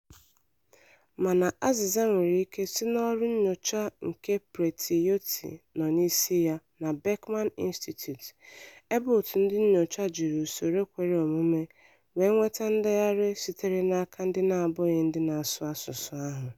Mana azịza nwere ike si n'ọrụ nnyocha nke Preethi Jyothi no n'isi ya na Beckman Institute, ebe òtù ndị nnyocha jiri usoro kwere omume wee nweta ndegharị sitere n'aka ndị n'abụghị ndị na-asụ asụsụ ahụ.